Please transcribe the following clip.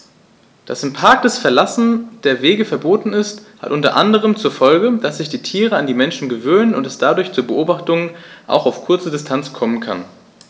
Dass im Park das Verlassen der Wege verboten ist, hat unter anderem zur Folge, dass sich die Tiere an die Menschen gewöhnen und es dadurch zu Beobachtungen auch auf kurze Distanz kommen kann.